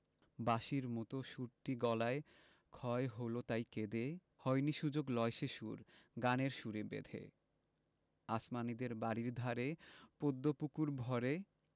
বাঁশির মতো সুরটি গলায় ক্ষয় হল তাই কেঁদে হয়নি সুযোগ লয় সে সুর গানের সুরে বেঁধে আসমানীদের বাড়ির ধারে পদ্ম পুকুর ভরে